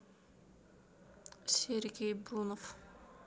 сергей брунов